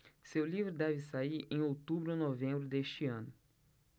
seu livro deve sair em outubro ou novembro deste ano